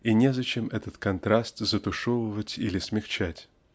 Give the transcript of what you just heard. И незачем этот контраст затушевывать или смягчать.